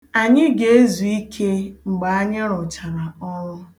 Anyị ga-ezu ike mgbe anyị rụchara ọrụ.